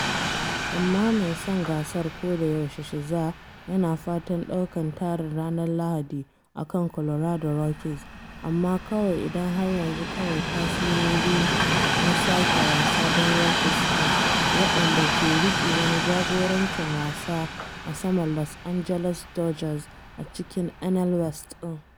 Amma mai son gasar kodayaushe Scherzer yana fatan ɗaukan tarin ranar Lahadi a kan Colorado Rockies, amma kawai idan har yanzi kawai tasirori na sake wasa don Rockies din, wadanda ke rike wani jagorancin wasa a saman Los Angeles Dodgers a cikin NL West ɗin.